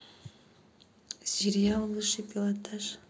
сериал высший пилотаж